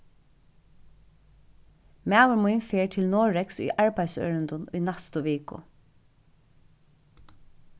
maður mín fer til noregs í arbeiðsørindum í næstu viku